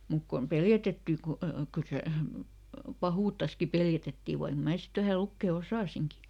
mutta kun peljätettiin kun kyllä se pahuuttaankin peljätettiin vaikka minä sitten vähän lukea osasinkin